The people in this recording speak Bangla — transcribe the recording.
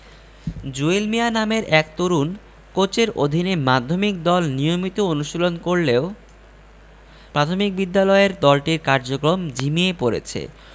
জুয়েল মিয়া নামের এক তরুণ কোচের অধীনে মাধ্যমিক দল নিয়মিত অনুশীলন করলেও প্রাথমিক বিদ্যালয়ের দলটির কার্যক্রম ঝিমিয়ে পড়েছে